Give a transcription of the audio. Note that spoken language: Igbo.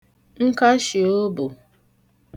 nkashìobù